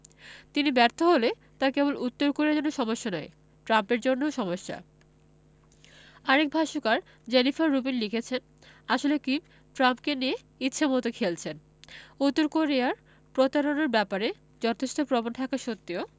তিনি ব্যর্থ হলে তা কেবল উত্তর কোরিয়ার জন্য সমস্যা নয় ট্রাম্পের জন্যও সমস্যা আরেক ভাষ্যকার জেনিফার রুবিন লিখেছেন আসলে কিম ট্রাম্পকে নিয়ে ইচ্ছেমতো খেলছেন উত্তর কোরিয়ার প্রতারণার ব্যাপারে যথেষ্ট প্রমাণ থাকা সত্ত্বেও